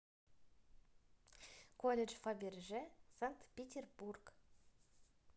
колледж фаберже санкт петербург